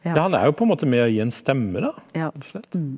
ja han er jo på en måte med å gi en stemme da, rett og slett.